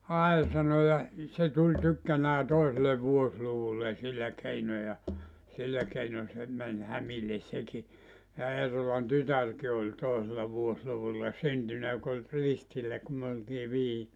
ai sanoi ja se tuli tykkänään toiselle vuosiluvulle sillä keinoin ja sillä keinoin se meni hämille sekin ja Eerolan tytärkin oli toisella vuosiluvulla syntynyt joka oli ristillä kun me oltiin vihillä